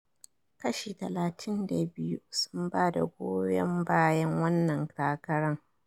Kashi talatin da biyu sun ba da goyon bayan wannan takaran.